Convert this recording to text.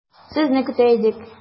Сезне көтә идек.